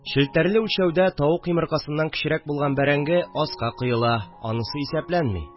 Челтәрле үлчәүдә тавык йомыркасыннан кечерәк булган бәрәңге аска коела – анысы исәпләнми